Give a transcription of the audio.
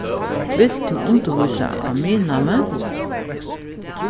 vilt tú undirvísa á miðnámi